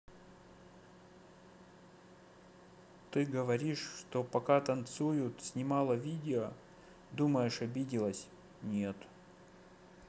ты говоришь что я пока танцуют снимала видео думаешь обиделась нет